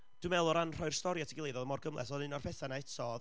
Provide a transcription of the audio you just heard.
dwi'n meddwl o ran rhoi'r stori at ei gilydd, oedd o mor gymhleth, ond un o'r pethau 'na eto